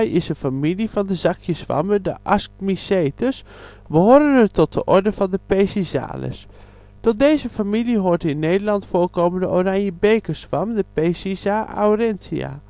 is een familie van de zakjeszwammen (Ascmycetes), behorend tot de orde van Pezizales. Tot deze familie behoort de in Nederland voorkomende oranje bekerzwam (Peziza aurantia